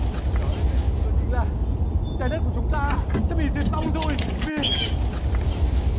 muốn nói lên đây đó chính là trái đất của chúng ta sắp bị diệt vong rồi vì